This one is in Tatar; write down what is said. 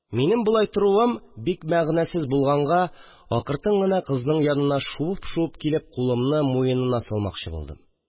Минем болай торуым бик мәгънәсез булганга, акыртын гына кызның янына шуып-шуып килеп, кулымны муенына салмакчы булдым